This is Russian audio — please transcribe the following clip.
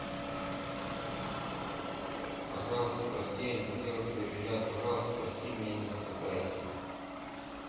пожалуйста прости я не хотела тебя обижать пожалуйста прости меня не затыкайся